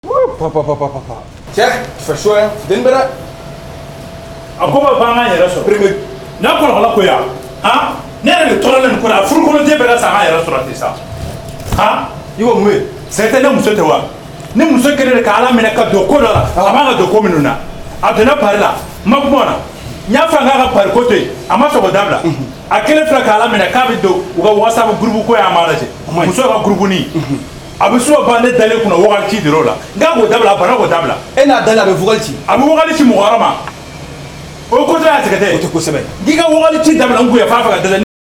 A ko banna yɛrɛ na kɔrɔ ko ne yɛrɛ toralen ko furuden bɛ yɛrɛ sisan a i sɛ muso tɛ wa ni muso kelen de k' ala minɛ ka don koda a b'a ka don ko na a donna pala ma na' fa k'a ka pa kote a ma sɔrɔ dabila a kelen k'a minɛ k'a bɛ don u ka waasa guguko a' ala ka gugun a bɛ so ban ale dalen kun dɔrɔn o la da a fana da e'a da a bɛug ci a bɛ ci mun ma o ko y'a tigɛ e tɛsɛbɛ' ka waati ci daminɛ yan'a fɛ ka